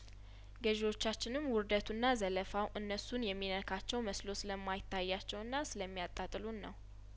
ገዥዎቻችንም ውርደቱና ዘለፋው እነሱን የሚነካቸው መስሎ ስለማይታያቸውና ስለሚያጣጥሉን ነው